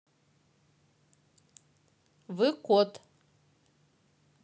вы кот